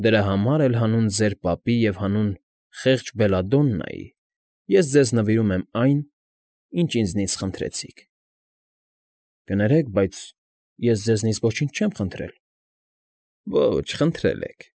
Դրա համար էլ հանուն ձեր պապի և հանուն խեղճ Բելադոննայի ես ձեզ նվիրում եմ այն, ինչ ինձնից խնդրեցիք։ ֊ Կներեք, բայց ես ձեզնից ոչինչ չեմ խնդրել։ ֊ Ոչ, խնդրել եք։